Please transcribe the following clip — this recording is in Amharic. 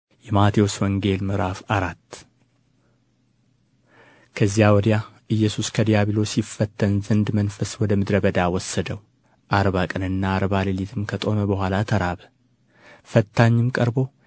﻿የማቴዎስ ወንጌል ምዕራፍ አራት ከዚያ ወዲያ ኢየሱስ ከዲያብሎስ ይፈተን ዘንድ መንፈስ ወደ ምድረ በዳ ወሰደው አርባ ቀንና አርባ ሌሊትም ከጦመ በኋላ ተራበ ፈታኝም ቀርቦ